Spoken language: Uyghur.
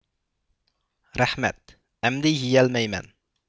رەھمەت ئەمدى يېيەلمەيمەن